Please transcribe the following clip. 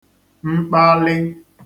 Mkpalị̄